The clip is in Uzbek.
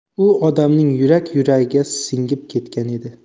u odamning yurak yuragiga singib ketgan edi